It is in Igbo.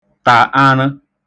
tà arụ